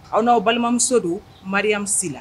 Aw n'aw balimamuso don mariasi la